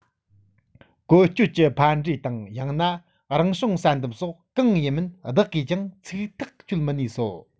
བཀོལ སྤྱོད ཀྱི ཕན འབྲས དང ཡང ན རང བྱུང བསལ འདེམས སོགས གང ཡིན མིན བདག གིས ཀྱང ཚིག ཐག གཅོད མི ནུས སོ